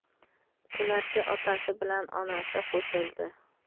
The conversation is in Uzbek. ularga otasi bilan onasi qo'shildi